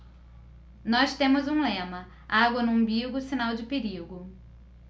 nós temos um lema água no umbigo sinal de perigo